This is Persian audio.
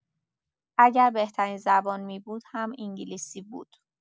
اگر بهترین زبان می‌بود هم انگلیسی بود.